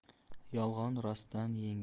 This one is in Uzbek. yolg'on rostdan yengilar